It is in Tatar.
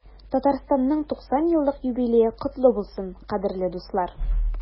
Татарстанның 90 еллык юбилее котлы булсын, кадерле дуслар!